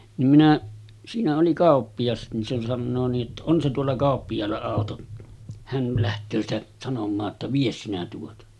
niin minä siinä oli kauppias niin se sanoo niin että on se tuolla kauppiaalla auto hän lähtee sitä sanomaan jotta vie sinä tuota